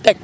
teg